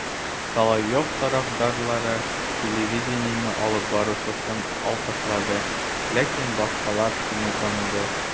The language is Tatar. Соловьев тарафдарлары телевидение алып баручысын алкышлады, ләкин башкалар шуны таныды: